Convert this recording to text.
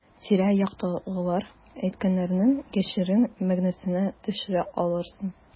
Тирә-яктагылар әйткәннәрнең яшерен мәгънәсенә төшенә алырсың.